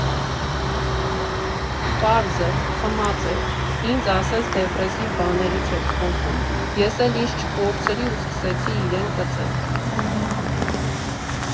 Պարզ է, խմած էր, ինձ ասեց դեպրեսիվ բաներից ես խոսում, ես էլ ինձ չկորցրի ու սկսեցի իրեն կծել։